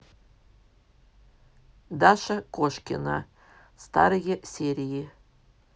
даша кошкина старые серии